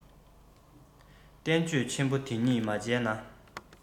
བསྟན བཅོས ཆེན པོ འདི གཉིས མ མཇལ ན